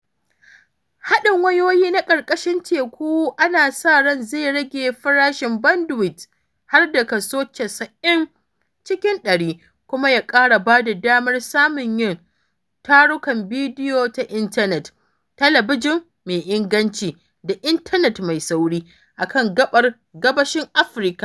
Haɗin wayoyin na ƙarƙashin teku ana sa ran zai rage farashin bandwidth har da kaso 90 cikin 100, kuma ya ƙara bada damar samun yin tarukan bidiyo ta intanet, talabijin mai inganci, da intanet mai sauri a kan gaɓar gabashin Afirka.